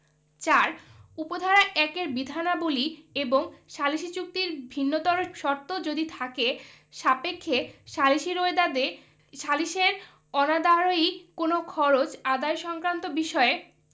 ৪ উপ ধারা ১ এর বিধানাবলী এবং সালিসী চুক্তির ভিন্নতর শর্ত যদি থাকে সাপেক্ষে সালিসী রোয়েদাদে সালিসের অনাদারয়ী কোন খরচ আদায় সংক্রান্ত বিষয়ে